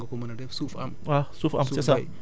day fekk balaa nga ko mën a def suuf am